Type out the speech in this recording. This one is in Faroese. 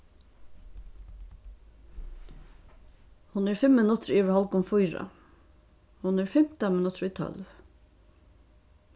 hon er fimm minuttir yvir hálvgum fýra hon er fimtan minuttir í tólv